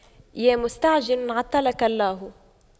يا مستعجل عطلك الله